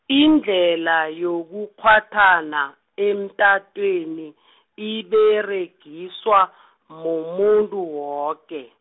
indlhela yokukghwathana, emtatweni , iberegiswa, mumuntu woke.